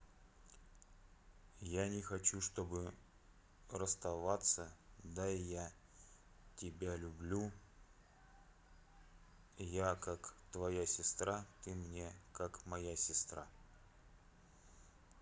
я не хочу чтобы расставаться дай я тебя люблю я как твоя сестра ты мне как моя сестра